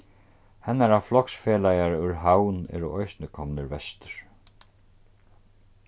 hennara floksfelagar úr havn eru eisini komnir vestur